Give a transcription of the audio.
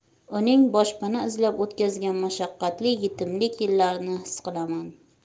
uning boshpana izlab o'tkazgan mashaqqatli yetimlik yillarini xis qilaman